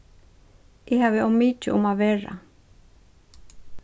eg havi ov mikið um at vera